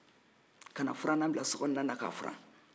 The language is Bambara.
kana furalan bila sokɔnɔna na k'a furan